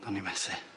Ro'n i'n methu.